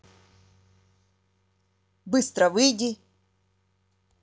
быстро выйди